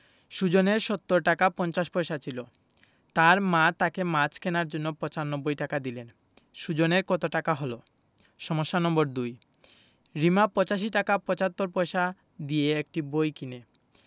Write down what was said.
সুজনের ৭০ টাকা ৫০ পয়সা ছিল তার মা তাকে মাছ কেনার জন্য ৯৫ টাকা দিলেন সুজনের কত টাকা হলো সমস্যা নম্বর ২ রিমা ৮৫ টাকা ৭৫ পয়সা দিয়ে একটি বই কিনে